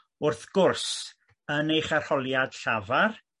Wrth gwrs yn eich arholiad llafar